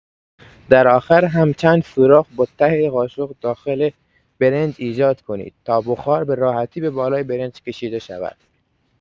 در آخر هم چند سوراخ با ته قاشق داخل برنج ایجاد کنید تا بخار به راحتی به بالای برنج کشیده شود.